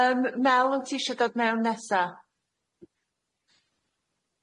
Yym Mel wyt ti isio dodd mewn nesa?